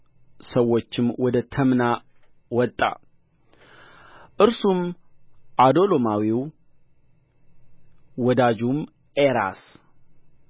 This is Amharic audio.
ሰዎችም ወደ ተምና ወጣ እርሱም ዓዶሎማዊው ወዳጁም ኤራስ